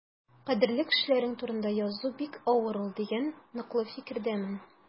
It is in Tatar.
Кадерле кешеләрең турында язу бик авыр ул дигән ныклы фикердәмен.